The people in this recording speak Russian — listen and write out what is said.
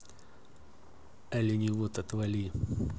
оленевод отвали